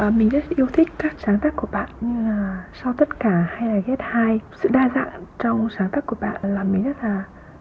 ở mình rất yêu thích các sáng tác của bạn như là sau tất cả hay là ghét hai sự đa dạng trong sáng tác của bạn làm mình rất là